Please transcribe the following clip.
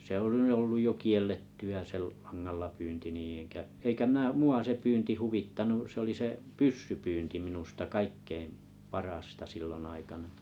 se on nyt ollut jo kiellettyä se langalla pyynti niin enkä eikä minä minua se pyynti huvittanut se oli se pyssypyynti minusta kaikkein parasta silloin aikana